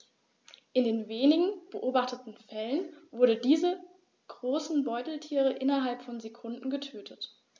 In den wenigen beobachteten Fällen wurden diese großen Beutetiere innerhalb von Sekunden getötet.